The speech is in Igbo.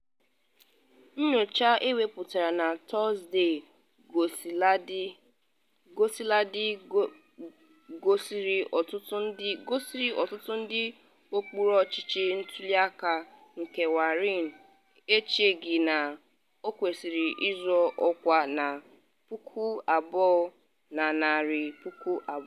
Nyocha ewepụtara na Tọsde, kosiladị, gosiri ọtụtụ ndị okpuru ọchịchị ntuli aka nke Warren echeghị na ọ kwesịrị ịzọ ọkwa na 2020.